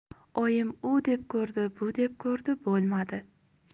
oyim u deb ko'rdi bu deb ko'rdi bo'lmadi